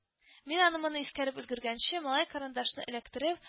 Мин аны-моны искәреп өлгергәнче, малай карандашны эләктереп